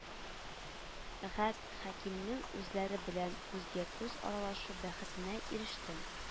Гат хәкимнең үзләре белән күзгә-күз аралашу бәхетенә ирештем